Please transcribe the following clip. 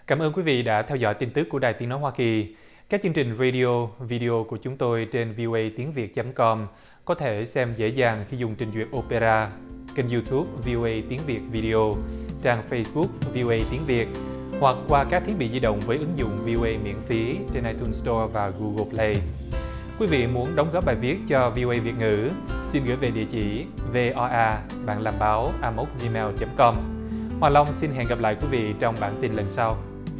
cám ơn quý vị đã theo dõi tin tức của đài tiếng nói hoa kỳ các chương trình rây đi ô vi đi ô của chúng tôi trên vi âu ây tiếng việt chấm com có thể xem dễ dàng khi dùng trình duyệt ô pê ra kênh diu túp vi âu ây tiếng việt vi đi ô trang phây búc vi âu ây tiếng việt hoặc qua các thiết bị di động với ứng dụng vi âu ây miễn phí trên ai tun sờ to và gu gồ pờ lây quý vị muốn đóng góp bài viết cho vi âu ây việt ngữ xin gửi về địa chỉ vê o a bạn làm báo a mốc i meo chấm com hoàng long xin hẹn gặp lại quý vị trong bản tin lần sau